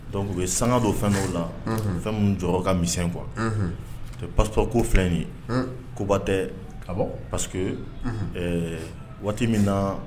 Dɔnku u bɛ sanga dɔ fɛn la fɛn minnu jɔ ka misɛn kuwa pas ko filɛ in ye koba tɛ pa waati min na